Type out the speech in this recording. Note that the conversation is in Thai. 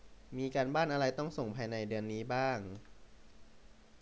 มีการบ้านอะไรต้องส่งภายในเดือนนี้บ้าง